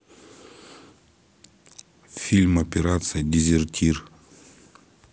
фильм операция дезертир